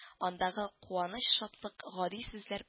Андагы куаныч-шатлык гади сүзләр